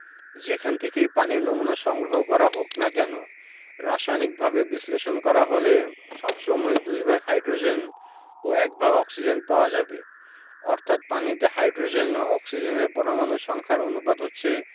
যেখান থেকেই পানির নমুনা সংগ্রহ করা হোক না কেন রাসায়নিকভাবে বিশ্লেষণ করা হলে সব সময় দুই ভাগ হাইড্রোজেন এবং এক ভাগ অক্সিজেন পাওয়া যাবে অর্থাৎ পানিতে হাইড্রোজেন ও অক্সিজেনের পরমাণুর সংখ্যার অনুপাত হচ্ছে